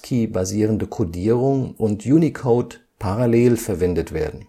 ASCII basierende Codierung und Unicode parallel verwendet werden